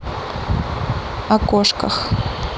о кошках